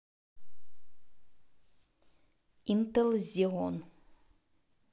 интел зион